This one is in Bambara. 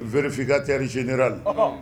Berefin ka teririee la